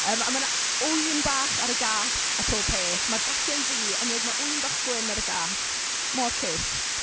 Yym a ma' 'na ŵyn bach ar y gât a popeth. Ma'r gatiau'n ddu, ond wedyn ma' ŵyn bach gwyn ar y gât mor ciwt.